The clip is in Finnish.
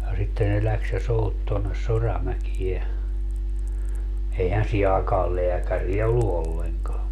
ja sitten ne lähti ja souti tuonne Soramäkeen eihän siihen aikaan lääkäriä ollut ollenkaan